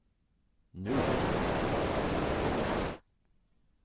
nú